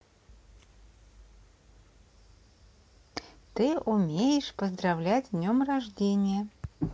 ты умеешь поздравлять с днем рождения